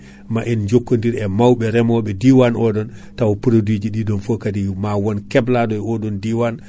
ma en jokkodir e mawɓe reemoɓe diawan oɗon taw produit ɗiɗon foof kaadi ma won keblaɗo o oɗon diwan